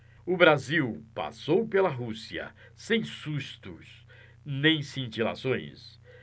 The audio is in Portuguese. o brasil passou pela rússia sem sustos nem cintilações